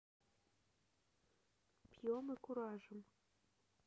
пьем и куражим